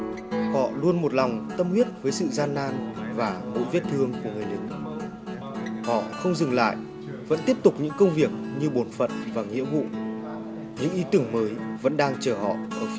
họ luôn một lòng tâm huyết với sự gian nan và mỗi vết thương của người lính họ không dừng lại vẫn tiếp tục những công việc như bổn phận và nghĩa vụ những ý tưởng mới vẫn đang chờ họ ở